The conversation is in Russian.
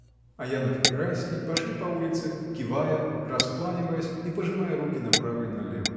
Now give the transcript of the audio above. Аянов и Райский пошли по улице, кивая, раскланиваясь и пожимая руки направо и налево.